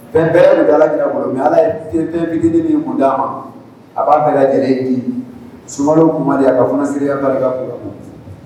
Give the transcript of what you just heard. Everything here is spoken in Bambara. Bɛn bɛɛ de bɛ alaki kɔnɔ mɛ ala fitinin min mun di ma a b'a bɛɛ ka lajɛlenji sumaworo kuma di a ka fana se barika kun